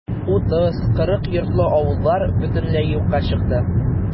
30-40 йортлы авыллар бөтенләй юкка чыкты.